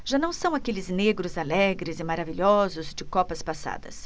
já não são aqueles negros alegres e maravilhosos de copas passadas